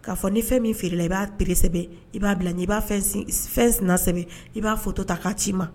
K'a fɔ ni fɛn min feerela i b'a psɛ i b'a bila ni i ba fɛn sinainasɛ i b'a fɔ ta k'a ci i ma